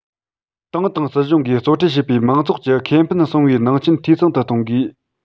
ཏང དང སྲིད གཞུང གིས གཙོ ཁྲིད བྱེད པའི མང ཚོགས ཀྱི ཁེ ཕན སྲུང བའི ནང རྐྱེན འཐུས ཚང དུ གཏོང དགོས